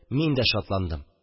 Минә дә шатландым